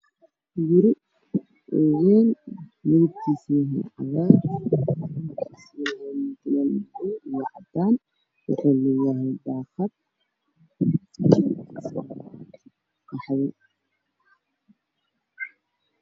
Guri oo weyn midabkiisu waa cagaar dhulkana waa cadaan